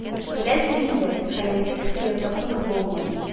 Беләсең инде, хәерче кеше ертыксыз булмый